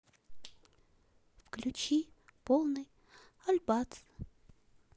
включи полный альбац